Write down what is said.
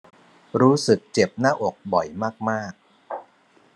รู้สึกเจ็บหน้าอกบ่อยมากมาก